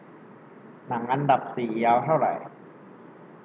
หนังอันดับสี่ยาวเท่าไหร่